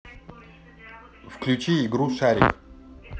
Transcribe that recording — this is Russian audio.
включи игру шарик